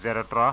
03